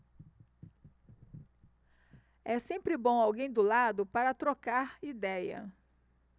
é sempre bom alguém do lado para trocar idéia